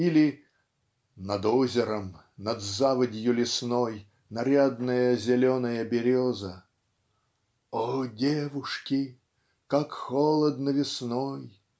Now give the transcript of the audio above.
Или: Над озером, над заводью лесной - Нарядная зеленая береза. - "О, девушки! Как холодно весной!